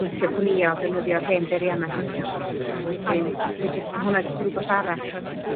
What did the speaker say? lcio gwnïo defnyddio'r hen beirianna gwnio 'ma, a wedyn dwi jyst ma' hwnna jys rwbath arall